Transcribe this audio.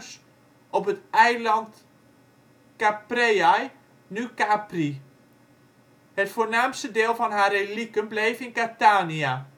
St. Stefanus, op het eiland Capreae, nu Capri. Het voornaamste deel van haar relieken bleef in Catania